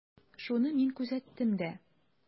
Шуны мин күзәттем дә.